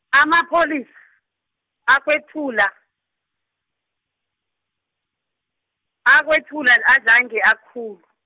amapholisa, akwethula, akwethula la azange akhulu.